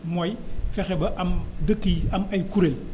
mooy fexe ba am dëkk yi am ay kuréel